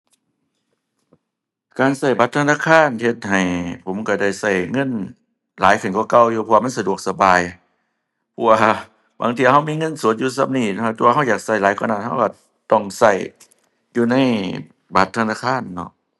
การใช้บัตรธนาคารเฮ็ดให้ผมใช้ได้ใช้เงินหลายขึ้นกว่าเก่าอยู่ เพราะว่ามันสะดวกสบาย กว่าบางเที่ยใช้มีเงินสดอยู่ส่ำนี้ ถ้าตัวใช้อยากใช้หลายกว่านั้น ใช้ใช้ต้องใช้อยู่ในบัตรธนาคารเนาะ